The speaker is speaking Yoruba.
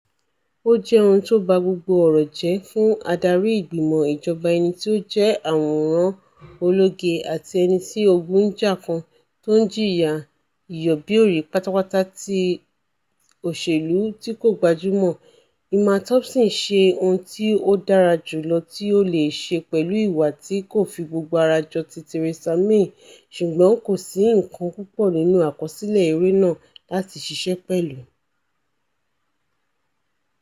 Ó jẹ́ ohun tóba gbogbo ọ̀rọ̀ jẹ́ fún adarí ìgbìmọ̀ ìjọbà ẹnití ó jẹ́ àwòrán ológe àti ẹnití ogun ńjà kan, tó ńjìyà ìyọ́bí-òrí pátápátá ti òṣèlú tíkò gbajúmọ̀: Emma Thompson ṣe ohun tí ó dára jùlọ tí o leè ṣe pẹ́lù ìwà tí kòfi-gbogbo-arajọti-Teresa-May ṣùgbọ́n kòsí nǹkan púpọ̀ nínú àkọsílẹ̀ eré náà láti ṣiṣ̵ẹ́ pẹ̀lú.